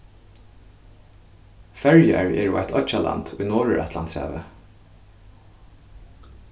føroyar eru eitt oyggjaland í norðuratlantshavi